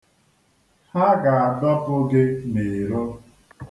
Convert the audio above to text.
Ha ga-adọpụ gị n'iro.